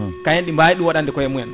kayen ɗi bawi ɗum waɗande koyemumen